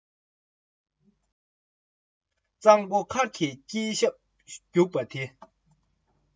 རགས རྒྱག མ བྱུང མཐའ མར མཁར ལ གཤེད